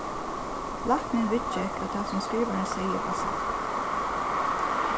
læknin viðgekk at tað sum skrivarin segði var satt